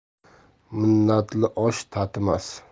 minnatli osh tatimas